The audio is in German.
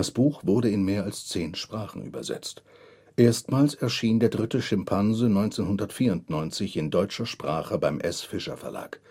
Buch wurde in mehr als zehn Sprachen übersetzt. Erstmals erschien Der dritte Schimpanse 1994 in deutscher Sprache beim S. Fischer Verlag